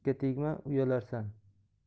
kichikka tegma uyalarsan